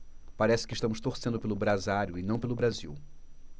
parece que estamos torcendo pelo brasário e não pelo brasil